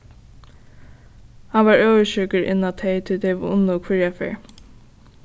hann var øvundsjúkur inn á tey tí tey vunnu hvørja ferð